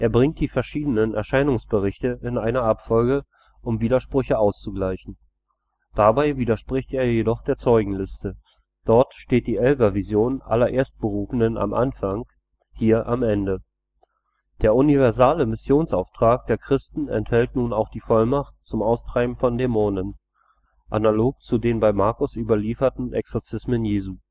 bringt die verschiedenen Erscheinungsberichte in eine Abfolge, um Widersprüche auszugleichen. Dabei widerspricht er jedoch der Zeugenliste: Dort steht die Elfervision aller Erstberufenen am Anfang, hier am Ende. Der universale Missionsauftrag der Christen enthält nun auch die Vollmacht zum Austreiben von Dämonen, analog zu den bei Markus überlieferten Exorzismen Jesu